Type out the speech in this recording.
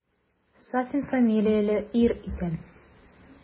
Сафин фамилияле ир икән.